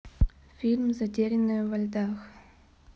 фильм затерянные во льдах